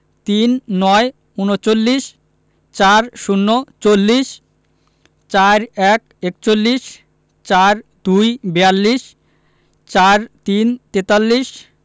৩৯ - ঊনচল্লিশ ৪০ - চল্লিশ ৪১ - একচল্লিশ ৪২ - বিয়াল্লিশ ৪৩ - তেতাল্লিশ